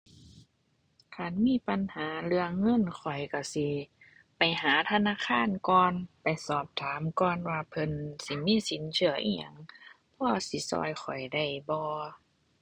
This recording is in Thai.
คันมีปัญหาเรื่องเงินข้อยก็สิไปหาธนาคารก่อน ไปสอบถามก่อนว่าเพิ่นสิมีสินเชื่ออิหยัง พอสิก็ข้อยได้บ่